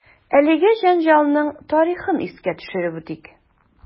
Әлеге җәнҗалның тарихын искә төшереп үтик.